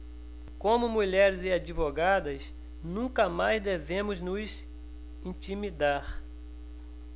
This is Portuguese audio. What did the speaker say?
como mulheres e advogadas nunca mais devemos nos intimidar